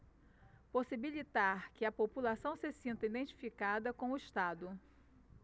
possibilitar que a população se sinta identificada com o estado